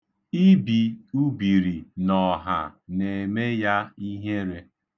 Ibi ubiri n'ọha na-eme ya ihere.